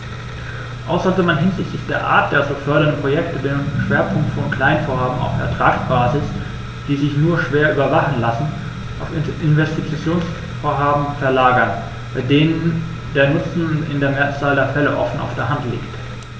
Auch sollte man hinsichtlich der Art der zu fördernden Projekte den Schwerpunkt von Kleinvorhaben auf Ertragsbasis, die sich nur schwer überwachen lassen, auf Investitionsvorhaben verlagern, bei denen der Nutzen in der Mehrzahl der Fälle offen auf der Hand liegt.